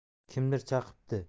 kimdir chaqibdi